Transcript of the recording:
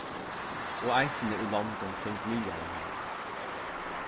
og eisini í londum kring miðjarðarhavið